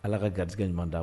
Ala ka garijɛ ɲuman ta